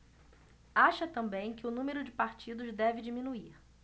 acha também que o número de partidos deve diminuir